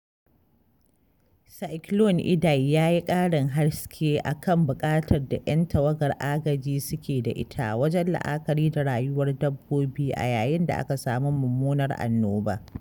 Cyclone Idai ya yi ƙarin haske a kan buƙatar da 'yan tawagar agaji suke da ita wajen la'akari da rayuwar dabbobi a yayin da aka samu mummunar annoba.